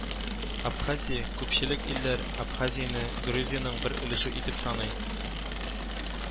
Абхазия күпчелек илләр Абхазияны Грузияның бер өлеше итеп саный